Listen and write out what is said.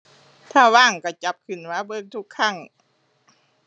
ถ้าว่างก็จับขึ้นมาเบิ่งทุกครั้ง